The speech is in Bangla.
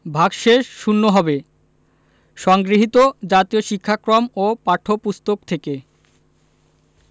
ভাগশেষ শূন্য হবে সংগৃহীত জাতীয় শিক্ষাক্রম ও পাঠ্যপুস্তক থেকে